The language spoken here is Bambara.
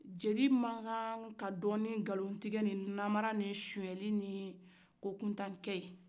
jeli mankan ka don nin ngalon tigɛ ni namara ni suɲɛni ni ko kuntan kɛ ye